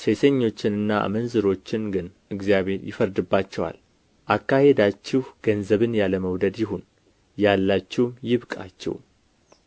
ሴሰኞችንና አመንዝሮችን ግን እግዚአብሔር ይፈርድባቸዋል አካሄዳችሁ ገንዘብን ያለ መውደድ ይሁን ያላችሁም ይብቃችሁ